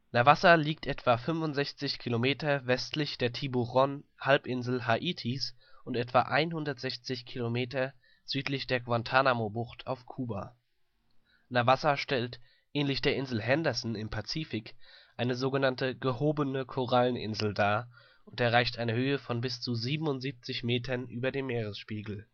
Navassa liegt etwa 65 km westlich der Tiburon-Halbinsel Haitis und etwa 160 km südlich der Guantánamo-Bucht auf Kuba. Navassa stellt, ähnlich der Insel Henderson im Pazifik, eine sogenannte „ gehobene “Koralleninsel dar und erreicht eine Höhe von bis zu 77 Metern über dem Meeresspiegel